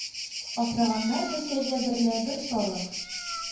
Асраганнар бер Кәҗә берлә бер Сарык, —